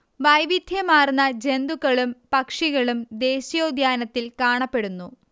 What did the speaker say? വൈവിധ്യമാർന്ന ജന്തുക്കളും പക്ഷികളും ദേശീയോദ്യാനത്തിൽ കാണപ്പെടുന്നു